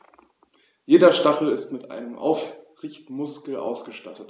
Jeder Stachel ist mit einem Aufrichtemuskel ausgestattet.